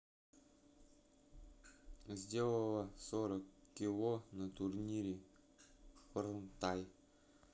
сделала сорок кило на турнире фортнайт